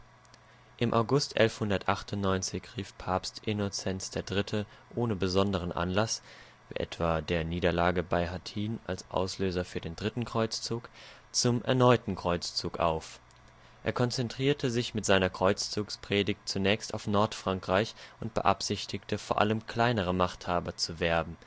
Im August 1198 rief Papst Innozenz III. ohne besonderen Anlass (wie etwa der Niederlage bei Hattin als Auslöser für den Dritten Kreuzzug) zum erneuten Kreuzzug auf. Er konzentrierte sich mit seiner Kreuzzugspredigt zunächst auf Nordfrankreich und beabsichtigte, vor allem kleinere Machthaber zu werben